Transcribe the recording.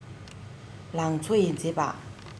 ལང ཚོ ཡི མཛེས པ